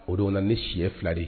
O don na ne si fila de